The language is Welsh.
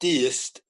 dyst